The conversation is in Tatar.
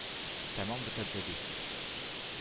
Тәмам бетерде, ди.